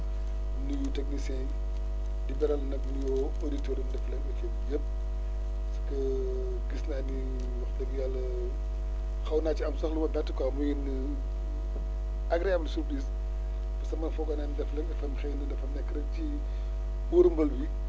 di nuyu techniciens yi di beral nag nuyoo auditeurs Ndefleng FM yëpp parce que gis naa ni wax dëgg yàlla xaw naa ci am sax lu ma bett quoi muy agréable surprise parce que man foogoon naa ni Ndefleng FM xëy na dafa nekk rek ci boru Mbol gii